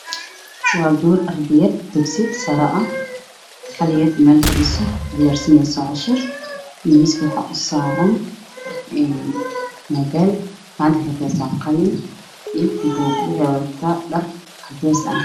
Waa gabar ardayad ah dugsi sare ah kalikeed meel fadhiso waxay diyaarsanaysaa cashir miiska waxaa u saaran moobeel gacanta waxay ku haysaa qalin iyo buug waxay wadataa dhar cadays ah.